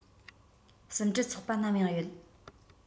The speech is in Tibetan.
གསུམ འབྲེལ ཚོགས པ ནམ ཡང ཡོད